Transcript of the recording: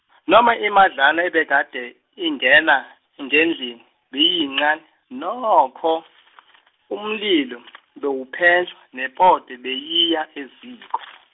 noma imadlana ebekade, ingena, ngendlini, beyiyincani, nokho umlilo, bewuphenjwa, nepoto beyiya eziko.